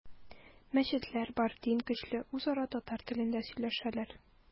Мәчетләр бар, дин көчле, үзара татар телендә сөйләшәләр.